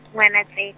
Ngwanatse-.